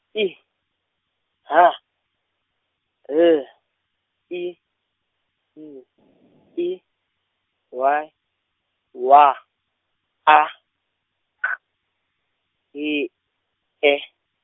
I, H, L, I, B , I, Y, W, A, K, E, E.